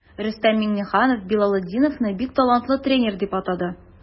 Рөстәм Миңнеханов Билалетдиновны бик талантлы тренер дип атады.